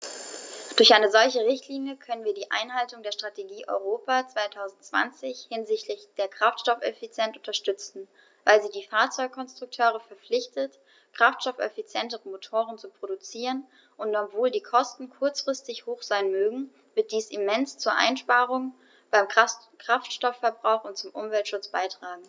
Durch eine solche Richtlinie können wir die Einhaltung der Strategie Europa 2020 hinsichtlich der Kraftstoffeffizienz unterstützen, weil sie die Fahrzeugkonstrukteure verpflichtet, kraftstoffeffizientere Motoren zu produzieren, und obwohl die Kosten kurzfristig hoch sein mögen, wird dies immens zu Einsparungen beim Kraftstoffverbrauch und zum Umweltschutz beitragen.